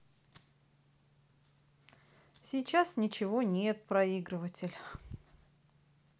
сейчас ничего нет проигрыватель